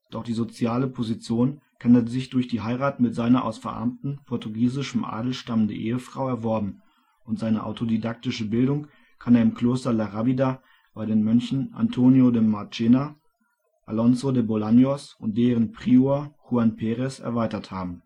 Doch die soziale Position kann er sich durch die Heirat mit seiner aus verarmten portugiesischem Adel stammenden Ehefrau erworben und seine autodidaktische Bildung kann er im Kloster la Rábida bei den Mönchen Antonio de Marchena, Alonzo de Bolaños und deren Prior Juan Pérez erweitert haben